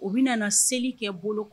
U bɛ na seli kɛ bolo kɔnɔ